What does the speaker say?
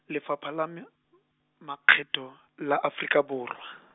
Lefapha la me- , Makgetho, la Aforika Borwa.